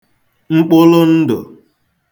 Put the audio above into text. mkpụlụndụ̀